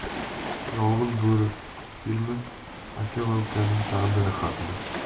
'yolg'iz bo'ri' filmi aka va ukaning taqdiri haqida